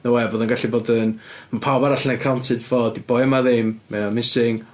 No way bod o'n gallu bod yn... mae pawb arall yn accounted for. 'Di boi yma ddim. Mae o'n missing.